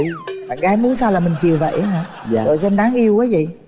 bạn gái muốn sao là mình chiều vậy hả dạ rồi sao em đáng yêu quá dậy